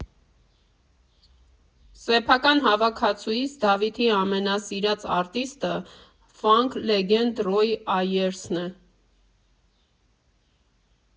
Սեփական հավաքածուից Դավիթի ամենասիրած արտիստը ֆանք լեգենդ Ռոյ Այերսն է։